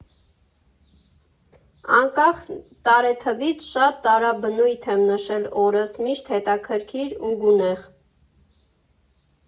Անկախ տարեթվից, շատ տարաբնույթ եմ նշել օրս, միշտ հետաքրքիր ու գունեղ։